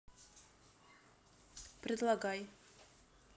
предлагай